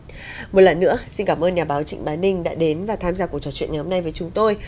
một lần nữa xin cảm ơn nhà báo trịnh bá ninh đã đến và tham gia cuộc trò chuyện nhóm này với chúng tôi